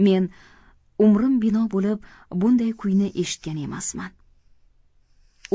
men umrim bino bo'lib bunday kuyni eshitgan emasman